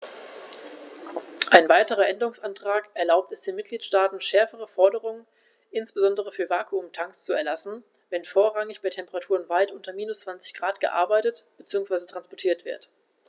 Ein weiterer Änderungsantrag erlaubt es den Mitgliedstaaten, schärfere Forderungen, insbesondere für Vakuumtanks, zu erlassen, wenn vorrangig bei Temperaturen weit unter minus 20º C gearbeitet bzw. transportiert wird.